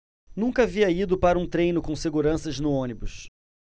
nunca havia ido para um treino com seguranças no ônibus